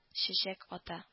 Чәчәк ата